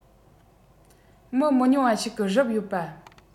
མི མི ཉུང བ ཞིག གིས རུབ ཡོད པ